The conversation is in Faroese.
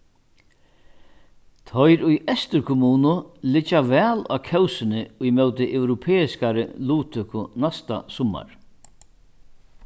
teir í eysturkommunu liggja væl á kósini ímóti europeiskari luttøku næsta summar